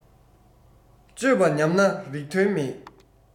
སྤྱོད པ ཉམས ན རིགས དོན མེད